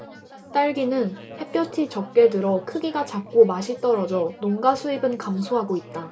딸기는 햇볕이 적게 들어 크기가 작고 맛이 떨어져 농가 수입은 감소하고 있다